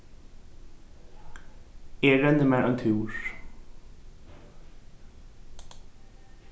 eg renni mær ein túr